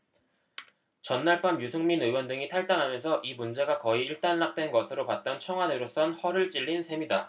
전날 밤 유승민 의원 등이 탈당하면서 이 문제가 거의 일단락된 것으로 봤던 청와대로선 허를 찔린 셈이다